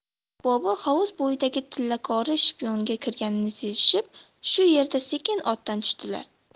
bobur hovuz bo'yidagi tillakori shiyponga kirganini sezishib shu yerda sekin otdan tushdilar